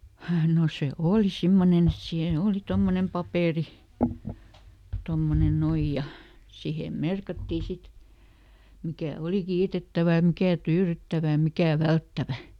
no se oli semmoinen että siinä oli tuommoinen paperi tuommoinen noin ja siihen merkattiin sitten mikä oli kiitettävä ja mikä tyydyttävä ja mikä välttävä